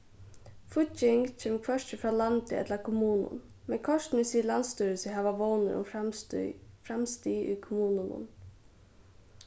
fígging kemur hvørki frá landi ella kommunum men kortini sigur landsstýrið seg hava vónir um framstig í kommununum